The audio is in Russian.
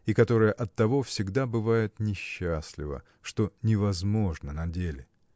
и которая оттого всегда бывает несчастлива что невозможна на деле.